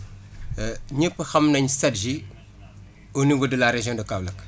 ñëpp xam nañ Sadji au niveau de la région de Kaolack